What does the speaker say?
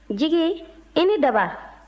jigi i ni daba